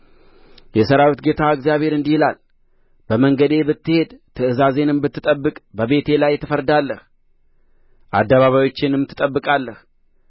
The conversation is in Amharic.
የሠራዊት ጌታ እግዚአብሔር እንዲህ ይላል በመንገዴ ብትሄድ ትእዛዜንም ብትጠብቅ በቤቴ ላይ ትፈርዳለህ አደባባዮቼንም ትጠብቃለህ